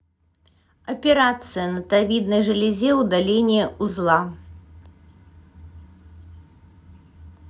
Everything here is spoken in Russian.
операция на товидной железе удаление узла